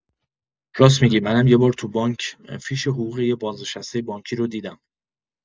راس می‌گی منم یه بار تو بانک فیش حقوق یه بازنشسته بانکی رو دیدم